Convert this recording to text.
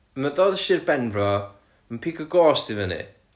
ma' dod i Sir Benfro yn pigo ghost i fyny